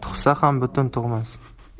tug'sa ham butun tug'mas